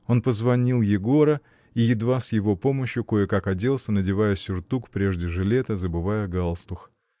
Он позвонил Егора и едва с его помощью кое-как оделся, надевая сюртук прежде жилета, забывая галстух.